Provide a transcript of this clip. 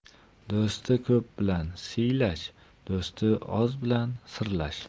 do'sti ko'p bilan siylash do'sti oz bilan sirlash